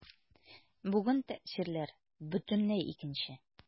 Бүген тәэсирләр бөтенләй икенче.